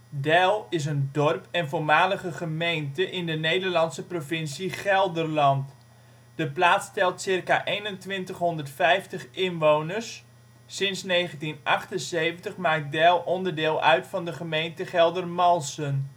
Deil is een dorp en voormalige gemeente in de Nederlandse provincie Gelderland. De plaats telt circa 2150 inwoners, sinds 1978 maakt Deil onderdeel uit van de gemeente Geldermalsen